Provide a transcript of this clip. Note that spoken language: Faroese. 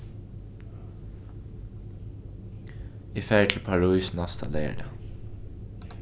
eg fari til parís næsta leygardag